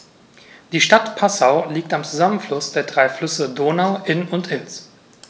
Die Stadt Passau liegt am Zusammenfluss der drei Flüsse Donau, Inn und Ilz.